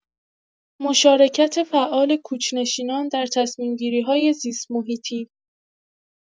مشارکت فعال کوچ‌نشینان در تصمیم‌گیری‌های زیست‌محیطی